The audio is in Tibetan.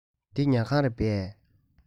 འདི ཉལ ཁང རེད པས